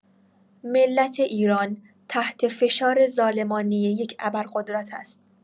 ملت ایران تحت فشار ظالمانه یک ابرقدرت است.